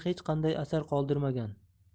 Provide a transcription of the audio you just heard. hech qanday asar qoldirmagan